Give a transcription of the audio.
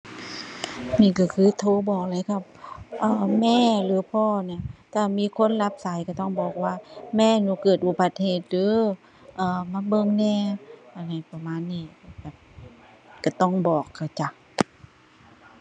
นี่ก็คือโทรบอกเลยกับ เอ่อ แม่หรือพ่อน่ะ ถ้ามีคนรับสายก็ต้องบอกว่า แม่หนูเกิดอุบัติเหตุเด้อ เอ่อ มาเบิ่งแหน่ อะนี่ประมาณนี้จ้ะ ก็ต้องบอกเขาจ้ะ